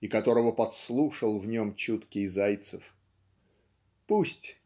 и которого подслушал в нем чуткий Зайцев. Пусть